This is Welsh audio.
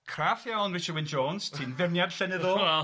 Craff iawn Richard Wynne-Jones, ti'n ferniad llenyddol.